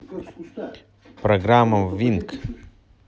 программа wink